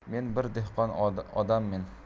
men bir dehqon odammen